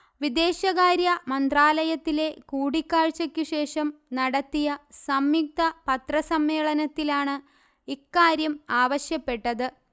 വിദേശകാര്യ മന്ത്രാലയത്തിലെ കൂടിക്കാഴ്ചയ്ക്കു ശേഷം നടത്തിയ സംയുക്ത പത്ര സമ്മേളനത്തിലാണ് ഇക്കാര്യം ആവശ്യപ്പെട്ടത്